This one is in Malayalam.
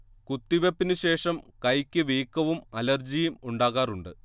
കുത്തിവെപ്പിനു ശേഷം കൈക്ക് വീക്കവും അലർജിയും ഉണ്ടാകാറുണ്ട്